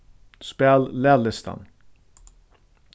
spæl laglistan